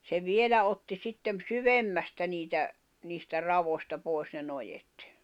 se vielä otti sitten syvemmästä niitä niistä raoista pois ne noet